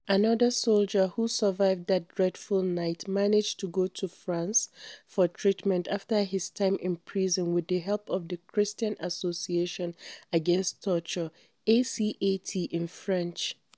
Another soldier who survived that dreadful night managed to go to France for treatment after his time in prison with the help of the Christian Association Against Torture (ACAT in French).